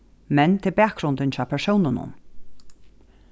men tað er bakgrundin hjá persónunum